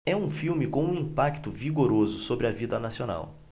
é um filme com um impacto vigoroso sobre a vida nacional